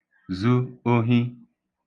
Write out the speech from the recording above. zu ohi